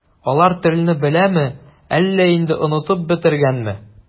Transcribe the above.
Алар телне беләме, әллә инде онытып бетергәнме?